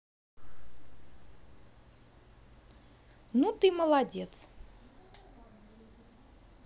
ну ты молодец